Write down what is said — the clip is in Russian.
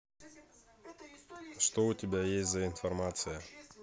что у тебя есть за информация